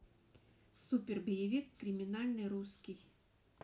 супер боевик криминальный русский